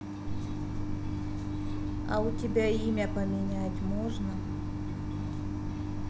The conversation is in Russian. а у тебя имя поменять можно